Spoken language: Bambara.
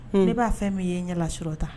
Hunn ne b'a fɛn min ye ɲɛla surɔ tan